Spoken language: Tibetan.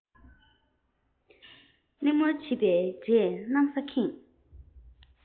དགའ སྤྲོའི རྣམ པས ཁེངས བཞིན འདུག